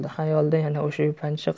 xayolida yana o'sha yupanchiq